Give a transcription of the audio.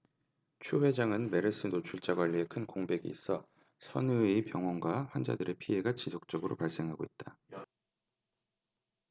추 회장은 메르스 노출자 관리에 큰 공백이 있어 선의의 병원과 환자들의 피해가 지속적으로 발생하고 있다